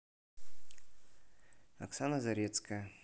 оксана зарецкая